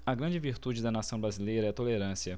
a grande virtude da nação brasileira é a tolerância